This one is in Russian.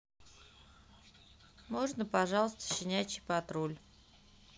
можно пожалуйста щенячий патруль